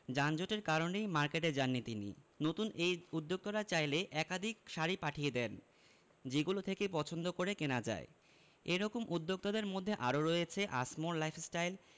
যানজটের কারণেই মার্কেটে যাননি তিনি নতুন এই উদ্যোক্তারা চাইলে একাধিক শাড়ি পাঠিয়ে দেন যেগুলো থেকে পছন্দ করে কেনা যায় এ রকম উদ্যোক্তাদের মধ্যে আরও রয়েছে আসমোর লাইফস্টাইল